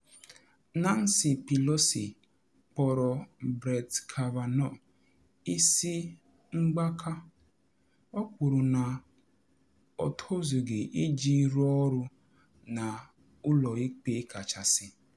Nancy Pelosi kpọrọ Brett Kavanaugh “isi mgbaka,” o kwuru na o tozughi iji rụọ ọrụ na Ụlọ Ikpe Kachasị